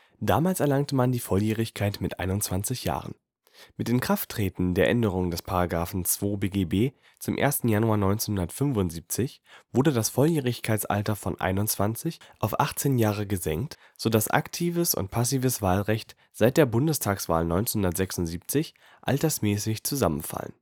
Damals erlangte man die Volljährigkeit mit 21 Jahren. Mit Inkrafttreten der Änderung des § 2 BGB zum 1. Januar 1975 wurde das Volljährigkeitsalter von 21 auf 18 Jahre gesenkt, so dass aktives und passives Wahlrecht seit der Bundestagswahl 1976 altersmäßig zusammenfallen